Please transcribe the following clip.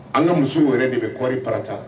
An ka musow yɛrɛ de bɛ kɔɔri parata